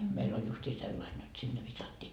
meillä oli justiin sellainen jotta sinne viskattiin